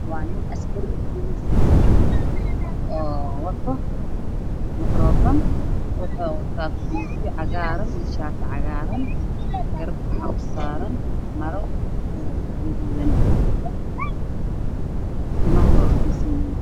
Waa nin boolis ah wata koofi cagaar shaati cagaar mekarofan ayuu hayaa timahana way u deysan yihiin